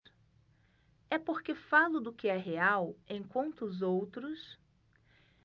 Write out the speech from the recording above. é porque falo do que é real enquanto os outros